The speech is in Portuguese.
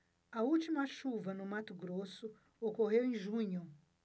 a última chuva no mato grosso ocorreu em junho